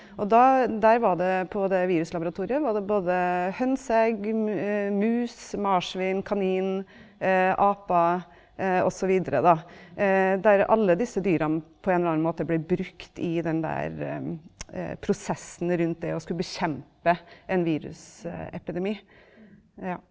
og da der var det på det viruslaboratoriet var det både hønseegg, mus, marsvin, kanin, aper også videre da, der alle disse dyra på en eller annen måte ble brukt i den der prosessen rundt det å skulle bekjempe en virusepidemi ja.